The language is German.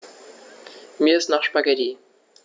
Mir ist nach Spaghetti.